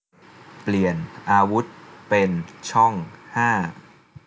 เปลี่ยนอาวุธเป็นช่องห้า